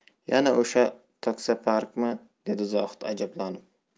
yana o'sha taksoparkmi dedi zohid ajablanib